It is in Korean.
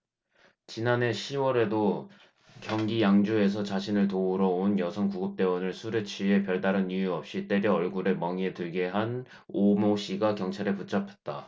지난해 시 월에도 경기 양주에서 자신을 도우러 온 여성 구급대원을 술에 취해 별다른 이유 없이 때려 얼굴에 멍이 들게 한 오모씨가 경찰에 붙잡혔다